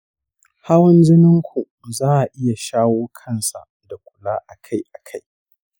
hawan jinin ku za'a iya shawo kansa da kula akai akai.